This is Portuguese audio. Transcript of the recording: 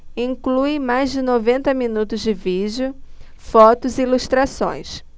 inclui mais de noventa minutos de vídeo fotos e ilustrações